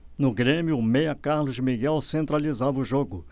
no grêmio o meia carlos miguel centralizava o jogo